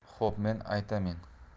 xo'p men aytamen